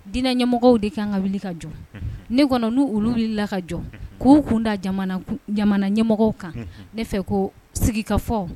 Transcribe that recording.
Diinɛ ɲɛmɔgɔw de kan ka wuli ka jɔ unhun ne kɔnɔ n'u ulu wulila ka jɔ k'u kun da jamana kun jamana ɲɛmɔgɔw kan unhun ne fɛ koo sigikafɔ